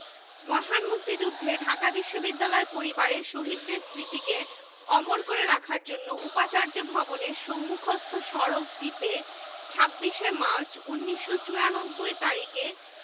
ড. মুহম্মদ শহীদুল্লাহ বাংলা বিভাগ মরণোত্তর শিক্ষা ১৯৮০ শহীদ মুনীর চৌধুরী বাংলা বিভাগ